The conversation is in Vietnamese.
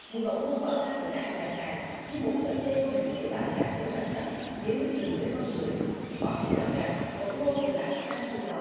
mùi bỗng ngô tỏa ra từ các nhà sàn như một sợi dây vô hình nếu bạn làng với mặt đất nếu núi rừng với con người có thể nói rằng bỗng ngô vừa là thức ăn cứu đói